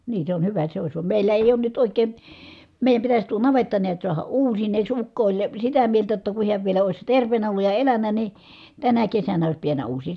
niin se on hyvä se olisi vaan meillä ei ole nyt oikein meidän pitäisi tuo navetta näet saada uusineeksi ukko oli sitä mieltä jotta kun hän vielä olisi terveenä ollut ja elänyt niin tänä kesänä olisi pitänyt uusia